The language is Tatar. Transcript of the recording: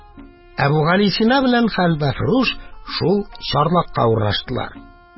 Әбүгалисина белән хәлвәфрүш шул чарлакка урнаштылар.